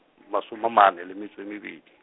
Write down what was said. masome a mane le metšo e mebedi.